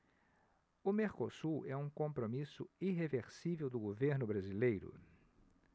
o mercosul é um compromisso irreversível do governo brasileiro